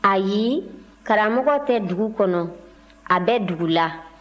ayi karamɔgɔ tɛ dugu kɔnɔ a bɛ dugu la